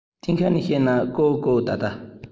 གཏན འཁེལ ནས བཤད ན ཀོའུ ཀོའུ ད ལྟ